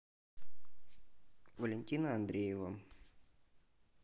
валентина андреева